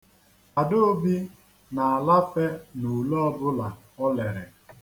Adaobi na-alafe n'ule ọbụla o lere.